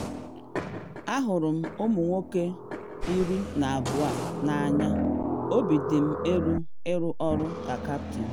Ahụrụ m ụmụ nwoke 12 a n’anya, obi dị m elu ịrụ ọrụ ka kaptịn.